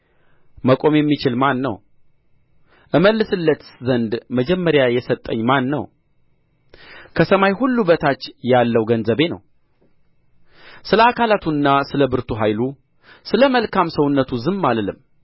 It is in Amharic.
መቆም የሚችል ማን ነው እመልስለትስ ዘንድ መጀመሪያ የሰጠኝ ማን ነው ከሰማይ ሁሉ በታች ያለው ገንዘቤ ነው ስለ አካላቱና ስለ ብርቱ ኃይሉ ስለ መልካም ሰውነቱ ዝም አልልም